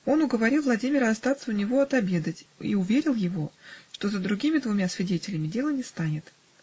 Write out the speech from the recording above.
Он уговорил Владимира остаться у него отобедать и уверил его, что за другими двумя свидетелями дело не станет.